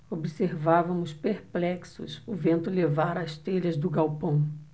observávamos perplexos o vento levar as telhas do galpão